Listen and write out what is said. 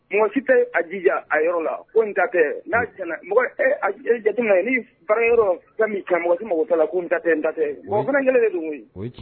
Mɔgɔ si tɛ a jija a yɔrɔ la ko tatɛ n'a jate ni fara yɔrɔ ka min kan mɔgɔsi makosa la ko ta n tatɛ wa fanakɛ bɛ don ye